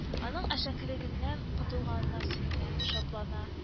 Аның әшәкелегеннән котылганына сөенә, шатлана